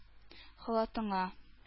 Халатыңа